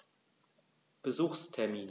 Besuchstermin